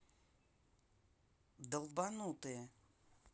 долбанутые